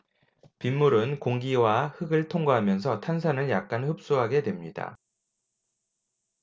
빗물은 공기와 흙을 통과하면서 탄산을 약간 흡수하게 됩니다